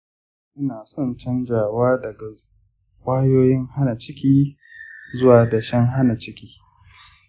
ina son canzawa daga kwayoyin hana ciki zuwa dashen hana ciki .